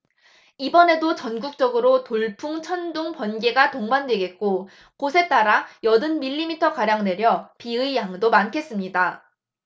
이번에도 전국적으로 돌풍 천둥 번개가 동반되겠고 곳에 따라 여든 밀리미터 가량 내려 비의 양도 많겠습니다